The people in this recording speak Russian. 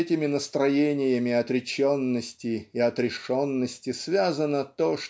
с этими настроениями отреченности и отрешенности связано то